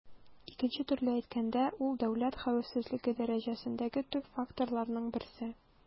Икенче төрле әйткәндә, ул дәүләт хәвефсезлеге дәрәҗәсендәге төп факторларның берсе.